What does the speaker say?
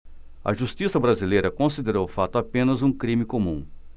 a justiça brasileira considerou o fato apenas um crime comum